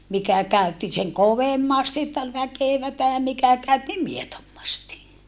mikä käytti sen kovemmasti että oli väkevää mikä käytti miedommasti